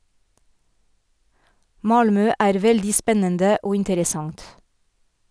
- Malmö er veldig spennende og interessant.